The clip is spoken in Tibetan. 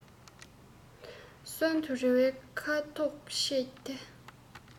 གསོན དུ རེ བའི ཁོ ཐག ཆད དེ